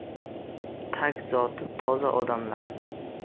tag zoti toza odamlar